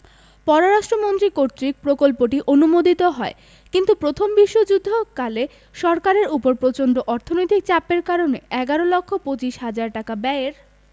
পররাষ্ট্র মন্ত্রী কর্তৃক প্রকল্পটি অনুমোদিত হয় কিন্তু প্রথম বিশ্বযুদ্ধকালে সরকারের ওপর প্রচন্ড অর্থনৈতিক চাপের কারণে এগারো লক্ষ পচিশ হাজার টাকা ব্যয়ের